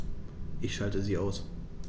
Ich schalte sie aus.